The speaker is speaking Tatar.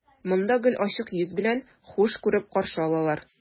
Монда гел ачык йөз белән, хуш күреп каршы алалар.